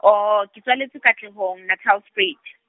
oo ke tswaletswe Katlehong, Natalspruit.